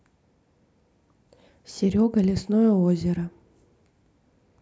серега лесное озеро